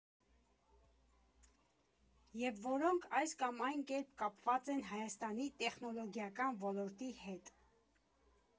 Եվ որոնք այս կամ այն կերպ կապված են Հայաստանի տեխնոլոգիական ոլորտի հետ։